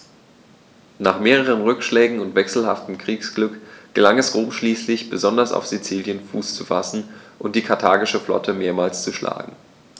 Nach mehreren Rückschlägen und wechselhaftem Kriegsglück gelang es Rom schließlich, besonders auf Sizilien Fuß zu fassen und die karthagische Flotte mehrmals zu schlagen.